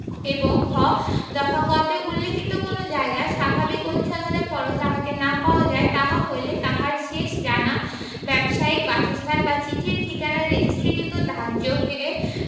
এবং খ দফা ক তে উল্লেখিত কোন জায়গায় স্বাভাবিক অনুসন্ধানের পরও তাহাকে না পাওয়া যায় তাহা হইলে তাহার শেষ জানা ব্যবসায়িক বাসস্থান বা চিঠির ঠিকানায় রেজিষ্ট্রিকৃত ডাকযোগে